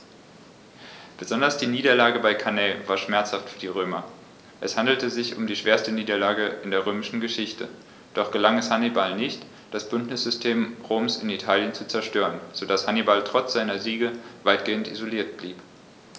Besonders die Niederlage bei Cannae war schmerzhaft für die Römer: Es handelte sich um die schwerste Niederlage in der römischen Geschichte, doch gelang es Hannibal nicht, das Bündnissystem Roms in Italien zu zerstören, sodass Hannibal trotz seiner Siege weitgehend isoliert blieb.